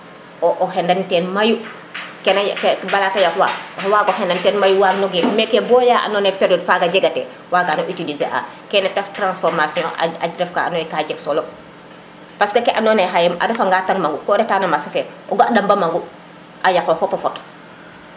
o xenan ten meyu bala te yaqwa o wago xenan ten mayu o waag no geek meke bo ya ando naye periode faga jegate waga tano utiliser a kene tax transformation a jeg solo parce ke ando naye a refa nga tan maŋu ko reta no marcher fe o ga ɗaɓa mangu a yaqox fopa fot